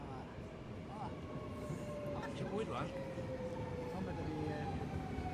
O, o, o... Isi bwyd rwan. Wel ma' 'dy fi yy